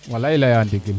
walay leya ndigil